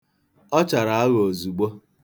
Ọ chara aghọ ozugbo.